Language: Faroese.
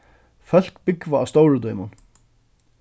fólk búgva á stóru dímun